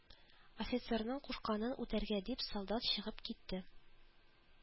Офицерның кушканын үтәргә дип, солдат чыгып китте